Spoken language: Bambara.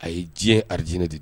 A ye diɲɛ ardcinɛ de ye